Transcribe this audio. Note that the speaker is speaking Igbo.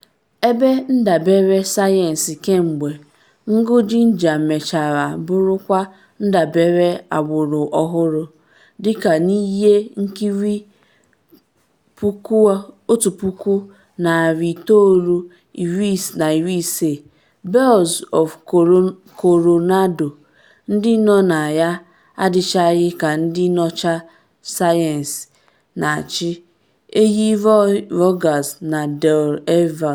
Ebe ndabere sayensi kemgbe, Ngụ Geiger mechara bụrụkwa ndabere agbụrụ ọhụrụ, dịka n’ihe nkiri 1950 “Bells of Coronado.” ndị nọ na ya adịchaghị ka ndị nyocha sayensi na-achị ehi Roy Rogers na Dale Evans: